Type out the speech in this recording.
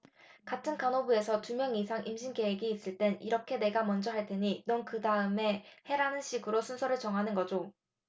같은 간호부에서 두 명 이상 임신 계획이 있을 땐 이렇게 내가 먼저 할 테니 넌 그다음에 해라는 식으로 순서를 정하는 거죠